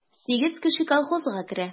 Сигез кеше колхозга керә.